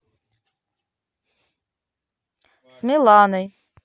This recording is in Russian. с миланой